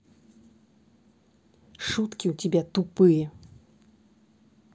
шутки у тебя тупые